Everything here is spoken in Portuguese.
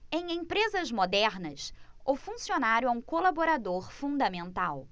em empresas modernas o funcionário é um colaborador fundamental